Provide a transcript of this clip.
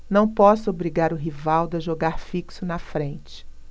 não posso obrigar o rivaldo a jogar fixo na frente